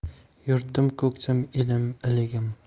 yurtim ko'ksim elim iligim